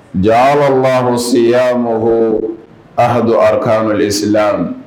Ja ro seya ma a amadudu akamesi